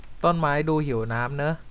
ต้นไม้ดูหิวน้ำเนอะ